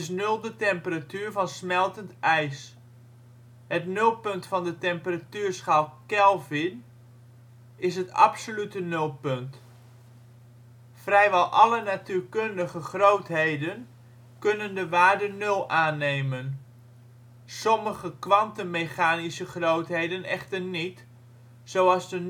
nul de temperatuur van smeltend ijs. Het nulpunt van de temperatuurschaal Kelvin is het absolute nulpunt. Vrijwel alle natuurkundige grootheden kunnen de waarde nul aannemen, sommige kwantummechanische grootheden echter niet, zoals de